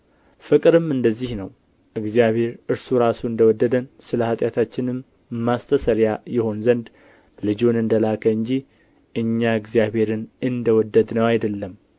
ፍቅርም እንደዚህ ነው እግዚአብሔር እርሱ ራሱ እንደ ወደደን ስለ ኃጢአታችንም ማስተስሪያ ይሆን ዘንድ ልጁን እንደ ላከ እንጂ እኛ እግዚአብሔርን እንደ ወደድነው አይደለም